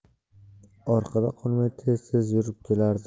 orqada qolmay tez tez yurib kelardi